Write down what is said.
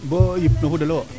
boo yip no fudole wo